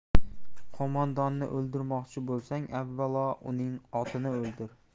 qo'mondonni o'ldirmoqchi bo'lsang avvalo uning otini o'ldir